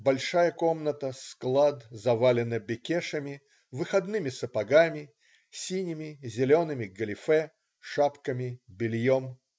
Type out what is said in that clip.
Большая комната-склад завалена бекешами, выходными сапогами, синими, зелеными галифе, шапками, бельем.